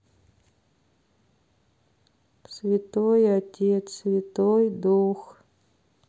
святой отец святой дух